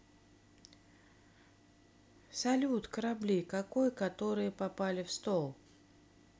салют корабли какой которые попали в стол